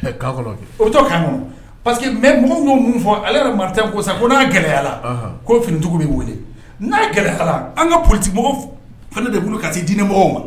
bɛ to kankɔ parceseke mɛ mɔgɔw ye mun fɔ ale yɛrɛ maraka ko sa ko n'a gɛlɛya ko fini bɛ wele n'a gɛlɛya ala an ka politigimɔgɔ fana de bolo ka taa di mɔgɔw ma